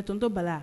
A tɔnontɔ bala